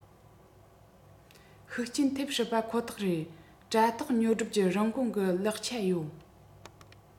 ཤུགས རྐྱེན ཐེབས སྲིད པ ཁོ ཐག རེད དྲ ཐོག ཉོ སྒྲུབ ཀྱི རིན གོང གི ལེགས ཆ ཡོད